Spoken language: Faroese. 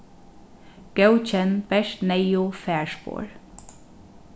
góðkenn bert neyðug farspor